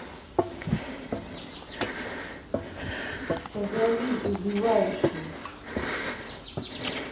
позови избивающий